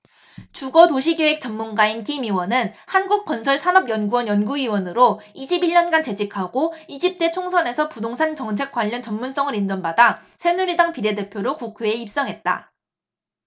주거 도시계획 전문가인 김 의원은 한국건설산업연구원 연구위원으로 이십 일 년간 재직하고 이십 대 총선에서 부동산 정책 관련 전문성을 인정받아 새누리당 비례대표로 국회에 입성했다